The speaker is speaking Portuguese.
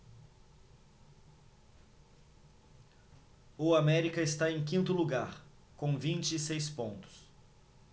o américa está em quinto lugar com vinte e seis pontos